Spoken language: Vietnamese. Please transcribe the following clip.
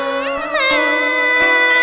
a